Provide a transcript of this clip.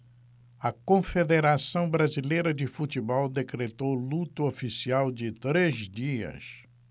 a confederação brasileira de futebol decretou luto oficial de três dias